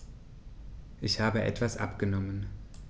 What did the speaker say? Ich habe etwas abgenommen.